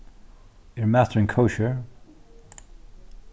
er maturin kosher